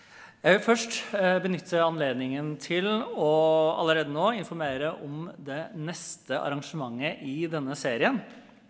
jeg vil først benytte anledningen til å allerede nå informere om det neste arrangementet i denne serien.